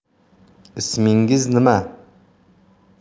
ismingiz nima